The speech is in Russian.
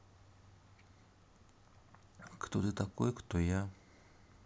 кто ты такой кто я